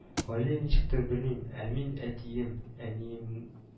Гали ничектер, белмим, ә мин әтием, әнием